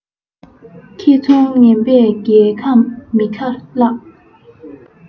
ཁེ ཚོང ངན པས རྒྱལ ཁམས མི ཁ བརླགས